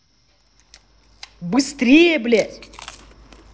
быстрее блядь